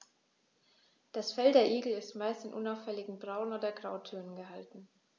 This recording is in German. Das Fell der Igel ist meist in unauffälligen Braun- oder Grautönen gehalten.